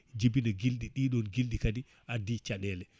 jiibina guilɗi ɗiɗon guilɗi kadi addi caɗele